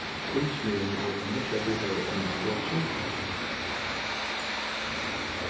gullsmiðurin etur mýggjabitar og onnur flogkykt